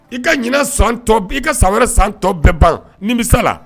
I ka ɲin san tɔ bi i ka san wɛrɛ san tɔ bɛɛ ban ni misa la